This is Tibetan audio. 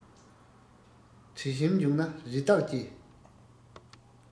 དྲི ཞིམ འབྱུང ན རི དྭགས ཀྱི